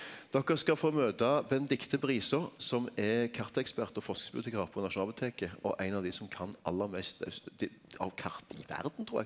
dokker skal få møta Benedicte Briså som er kartekspert og forskingsbibliotekar på Nasjonalbiblioteket og ein av dei som kan aller mest av kart i verden trur eg.